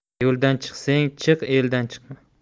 yo'ldan chiqsang chiq eldan chiqma